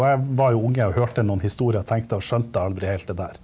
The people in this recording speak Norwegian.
og jeg var jo unge og hørte noen historier og tenkte og skjønte aldri heilt det der.